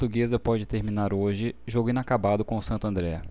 portuguesa pode terminar hoje jogo inacabado com o santo andré